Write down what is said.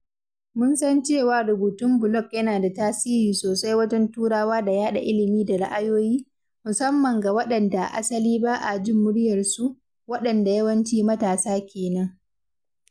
Mun san cewa rubutun blog yana da tasiri sosai wajen turawa da yaɗa ilimi da ra’ayoyi, musamman ga waɗanda a asali ba a jin “muryarsu”—waɗanda yawanci matasa kenan.